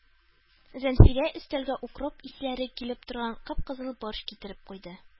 Зәнфирә өстәлгә укроп исләре килеп торган кып-кызыл борщ китереп куйды.